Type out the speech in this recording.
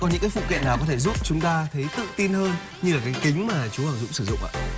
có những cái phụ kiện nào có thể giúp chúng ta thấy tự tin hơn như là cái kính mà chú dũng sử dụng ạ